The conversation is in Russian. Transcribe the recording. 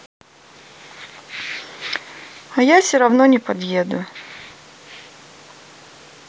а я все равно не подъеду